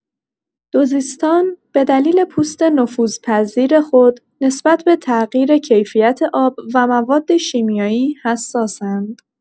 دوزیستان به دلیل پوست نفوذپذیر خود نسبت به تغییر کیفیت آب و مواد شیمیایی حساس‌اند.